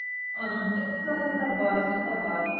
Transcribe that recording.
Аның текстларында барысы да бар.